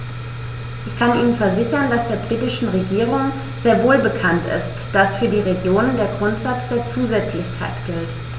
Ich kann Ihnen versichern, dass der britischen Regierung sehr wohl bekannt ist, dass für die Regionen der Grundsatz der Zusätzlichkeit gilt.